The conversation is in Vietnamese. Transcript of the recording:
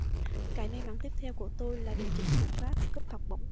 cái may mắn tiếp theo của tôi là được chính phủ pháp cấp học bổng